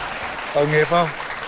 tội nghiệp không